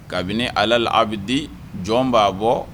Kabini alal abidii jɔn b'a bɔɔ